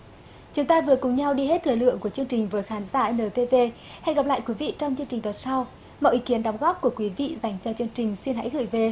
chúng ta vừa cùng nhau đi hết thời lượng của chương trình với khán giả e nờ tê vê hẹn gặp lại quý vị trong chương trình tuần sau mọi ý kiến đóng góp của quý vị dành cho chương trình xin hãy gửi về